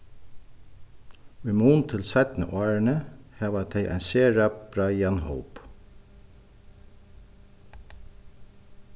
í mun til seinnu árini hava tey ein sera breiðan hóp